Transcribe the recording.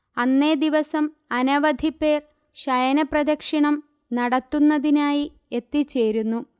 അന്നേ ദിവസം അനവധിപേർ ശയനപ്രദക്ഷിണം നടത്തുന്നതിനായി എത്തിച്ചേരുന്നു